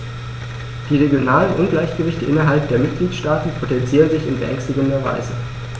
Die regionalen Ungleichgewichte innerhalb der Mitgliedstaaten potenzieren sich in beängstigender Weise.